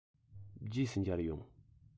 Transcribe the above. རྗེས སུ མཇལ ཡོང